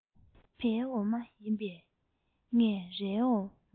བའི འོ མ ཡིན པས ངས རའི